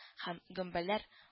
Һәм гөмбәләр